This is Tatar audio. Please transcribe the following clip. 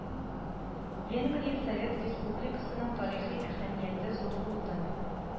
Венгрия совет республикасының тарихи әһәмияте зур булды